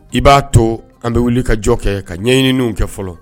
I b'a to an bɛ wuli ka jɔ kɛ ka ɲɛɲiniiniw kɛ fɔlɔ